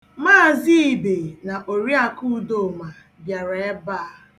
Maazị Ibe na oriakụ Udoma bịara ebe a.